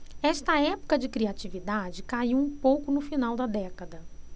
esta época de criatividade caiu um pouco no final da década